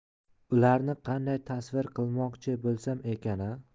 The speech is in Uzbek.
ularni qanday tasvir qilmoqchi bo'lsam ekana